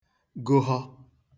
gohwọ